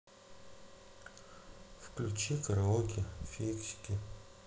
включи караоке фиксики